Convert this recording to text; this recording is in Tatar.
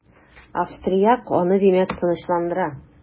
Австрияк аны димәк, тынычландыра.